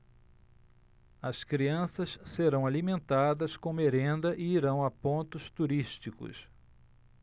as crianças serão alimentadas com merenda e irão a pontos turísticos